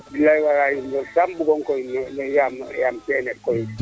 bilay walay kam bugong koy yaam keene koy